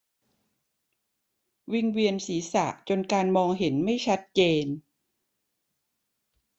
วิงเวียนศีรษะจนการมองเห็นไม่ชัดเจน